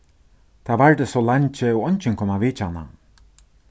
tað vardi so leingi og eingin kom at vitja hana